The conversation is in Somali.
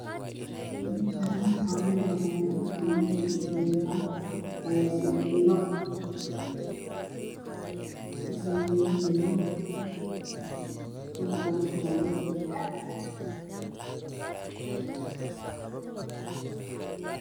Meshani waa meel banaan ah oo hada nah xeeb ah waxa yaalo biro waxa jogaan niman oo taag taagan